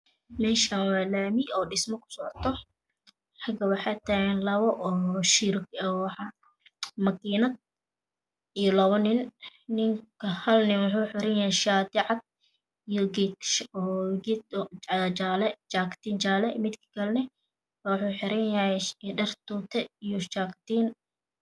Meeshan waa laami oo dhismo Ku socoto xagga waxaa taagan labo shirig makiinad iyo labo nin hal nin wuxuu xiran yahay shaati cad iyo geed jaale jaakatiin jaale midka Kalaneh wuxuu xiran yahay dhar tuute iyo jaakatiin